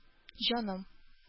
Җаным